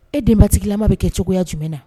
E denbatigilimama bɛ kɛ cogoyaya jumɛn na